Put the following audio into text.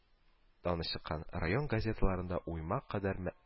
Даны чыккан район газеталарында уймак кадәр мәк